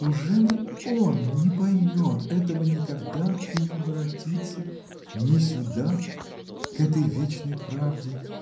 — Ужели он не поймет этого никогда и не воротится — ни сюда. к этой вечной правде.